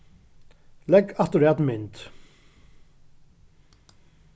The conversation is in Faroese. legg afturat mynd